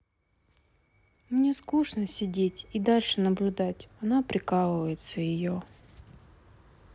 мне скучно сидеть и дальше наблюдать она прикалывается ее